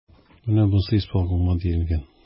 Менә бусы исполкомга диелгән.